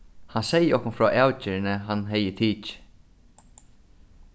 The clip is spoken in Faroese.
hann segði okkum frá avgerðini hann hevði tikið